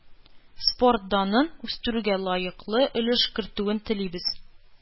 Спорт данын үстерүгә лаеклы өлеш кертүен телибез.